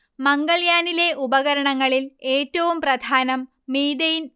മംഗൾയാനിലെ ഉപകരണങ്ങളിൽ ഏറ്റവും പ്രധാനം മീഥെയ്ൻ